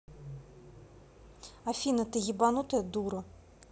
афина ты ебанутая дура